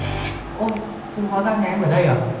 ô thế hóa ra nhà em ở đây à